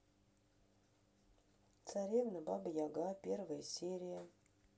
царевна баба яга первая серия